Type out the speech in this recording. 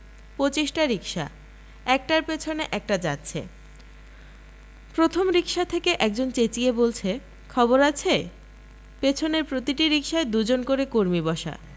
পঁচিশটা রিকশা একটার পেছনে একটা যাচ্ছে প্রথম রিকশা থেকে একজন চেঁচিয়ে বলছে খবর আছে পেছনের প্রতিটি রিকশায় দু জন করে কর্মী বসা